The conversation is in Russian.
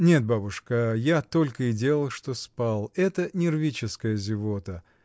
— Нет, бабушка, я только и делал, что спал! Это нервическая зевота.